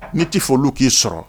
Ne t tɛi fɔlu k'i sɔrɔ